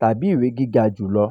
tàbí ìwé gíga jù lọ.